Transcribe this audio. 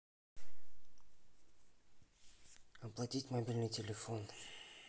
оплатить мобильный телефон